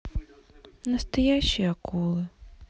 настоящие акулы